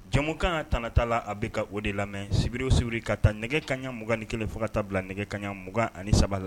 Jɔnmukan kan tata la a bɛ ka o de la sibiri siri ka ta nɛgɛ kaɲaugan ni kelen fo kata nɛgɛ kaɲa mugan ani saba la